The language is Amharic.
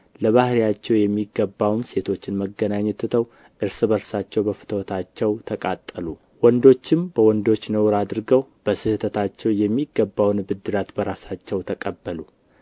ለባሕርያቸው የሚገባውን ሴቶችን መገናኘት ትተው እርስ በርሳቸው በፍትወታቸው ተቃጠሉ ወንዶችም በወንዶች ነውር አድርገው በስሕተታቸው የሚገባውን ብድራት በራሳቸው ተቀበሉ